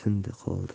ham tindi qoldi